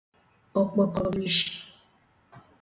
ọkpọkọrọishī